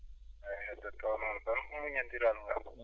eeyi heddoto noon ko muñinndiral ngal